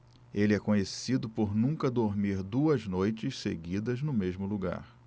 ele é conhecido por nunca dormir duas noites seguidas no mesmo lugar